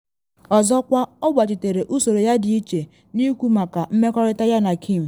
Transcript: Ọzọkwa ọ gbachitere usoro ya dị iche n’ikwu maka mmerịkọta yana Kim.